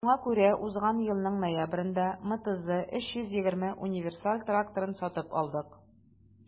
Шуңа күрә узган елның ноябрендә МТЗ 320 универсаль тракторын сатып алдык.